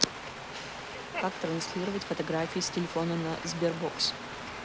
как транслировать фотографии с телефона на sberbox